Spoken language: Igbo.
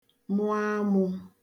mụ amụ̄